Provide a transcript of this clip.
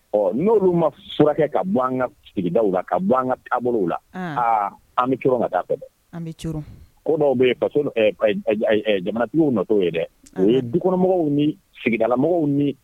Ɔɔ n'ulu ma furakɛ ka bɔ an ka sigidaw la ka bɔ an ka taabolow la aa , an be coron ka taa fɛ dɛ. An be coron . Ko dɔw be yen faso nɔn ɛɛ jamanatigiw nɔ to ye dɛ . O ye dukɔnɔmɔgɔw ni sigidalamɔgɔw ni